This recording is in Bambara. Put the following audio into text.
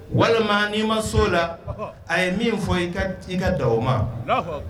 Walima n'i ma so la a ye min fɔ i ka da o ma